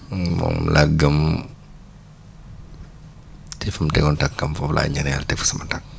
moom laa gem te fu mu tegoon tànkam foofu laa ñaar yàlla teg fa sama tànk